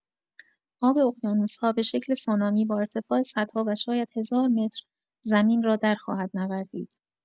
آب اقیانوس‌ها به شکل سونامی با ارتفاع صدها و شاید هزار متر، زمین را در خواهد نوردید.